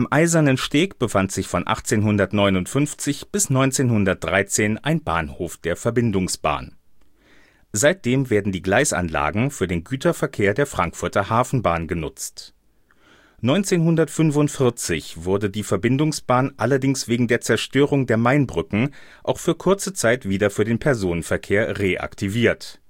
Eisernen Steg befand sich von 1859 bis 1913 ein Bahnhof der Verbindungsbahn. Seitdem werden die Gleisanlagen für den Güterverkehr der Frankfurter Hafenbahn genutzt. 1945 wurde die Verbindungsbahn allerdings wegen der Zerstörung der Mainbrücken auch für kurze Zeit wieder für den Personenverkehr reaktiviert